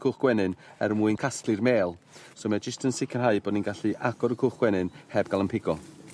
cwch gwenyn er mwyn casglu'r mêl, so mae o jyst yn sicirhau bo' ni'n gallu agor y cwch gwenyn heb ga'l 'yn pigo.